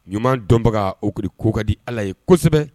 Ɲumanuma dɔnbaga ourri ko ka di ala ye kosɛbɛ